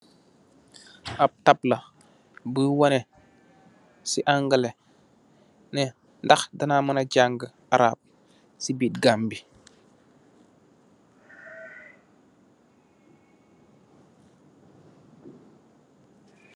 Ab tablah, buy waneh, si angaleh, neh ndakh danaa manah jangh araab, si biit Gambie.